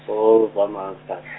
o Wolmaranstad.